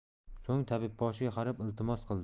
so'ng tabibboshiga qarab iltimos qildi